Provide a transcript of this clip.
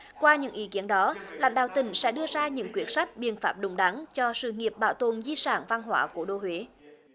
qua những ý kiến đó lãnh đạo tỉnh sẽ đưa ra những quyết sách biện pháp đúng đắn cho sự nghiệp bảo tồn di sản văn hóa cố đô huế